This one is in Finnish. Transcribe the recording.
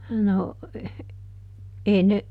no ei ne